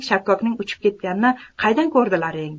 shakkokning uchib ketganini qanday ko'rdilaring